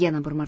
yana bir